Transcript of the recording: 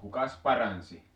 kukas paransi